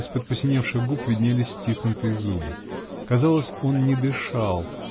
из-под посиневших губ виднелись стиснутые зубы. Казалось, он не дышал